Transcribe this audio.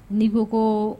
Ni ko ko